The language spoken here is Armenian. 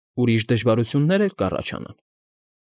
Ուրիշ դժվարություններ էլ կառաջանան։